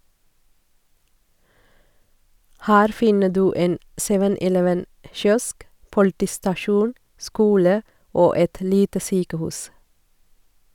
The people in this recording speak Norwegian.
Her finner du en 7-eleven kiosk, politistasjon, skole og et lite sykehus.